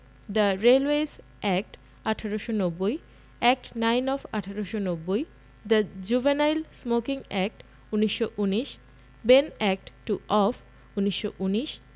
The railways act ১৮৯০ act nine of ১৮৯০ the juvenile smoking act ১৯১৯ Ben. Act two of ১৯১৯